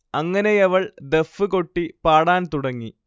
അങ്ങനെയവൾ ദഫ്ഫ് കൊട്ടി പാടാൻ തുടങ്ങി